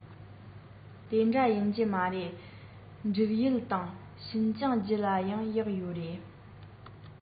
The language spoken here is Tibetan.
དེ འདྲ ཡིན གྱི མ རེད འབྲུག ཡུལ དང ཤིན ཅང རྒྱུད ལ ཡང གཡག ཡོད རེད